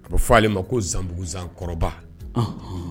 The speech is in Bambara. A bɛ fɔ'ale ma ko zanbugu zan kɔrɔba